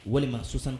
Walima sosan